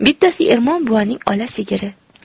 bittasi ermon buvaning ola sigiri